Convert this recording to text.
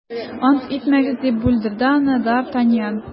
- ант итмәгез, - дип бүлдерде аны д’артаньян.